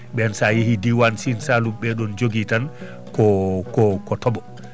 ɓen sa yeehi diwan Sine Saloum ɓeɗon jogi tan ko ko tooɓo